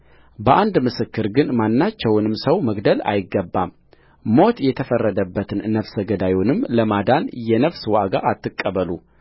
በአንድ ምስክር ግን ማናቸውንም ሰው መግደል አይገባምሞት የተፈረደበትን ነፍሰ ገዳዩንም ለማዳን የነፍስ ዋጋ አትቀበሉ